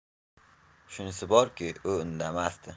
shunisi borki u indamasdi